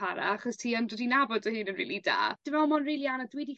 achos ti yn dod i nabod dy hun yn rili da. Dwi me'wl ma' o'n rili anodd dwi 'di